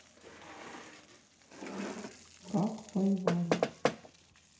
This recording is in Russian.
как воевали